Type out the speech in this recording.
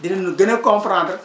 dinañu gën a comprendre